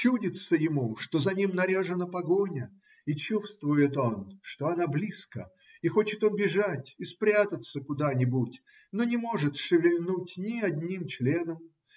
Чудится ему, что за ним наряжена погоня, и чувствует он, что она близко, и хочет он бежать и спрятаться куда-нибудь, но не может шевельнуть ни одним членом.